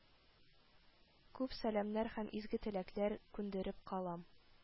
Күп сәламнәр һәм изге теләкләр күндереп калам